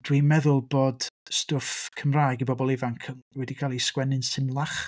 Dwi'n meddwl bod stwff Cymraeg i bobl ifanc wedi cael ei sgwennu'n symlach?